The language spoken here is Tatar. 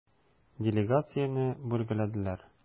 Делегацияне бүлгәләделәр.